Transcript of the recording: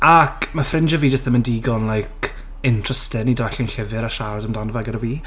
Ac ma' ffrindiau fi jyst ddim yn digon like interesting i darllen llyfr a siarad amdano fe gyda fi.